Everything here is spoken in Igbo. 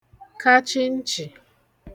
kachi nchì